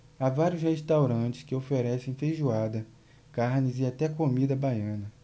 há vários restaurantes que oferecem feijoada carnes e até comida baiana